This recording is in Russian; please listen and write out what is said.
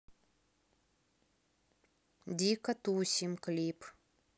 дико тусим клип